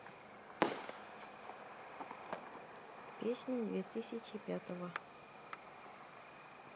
песни две тысячи пятого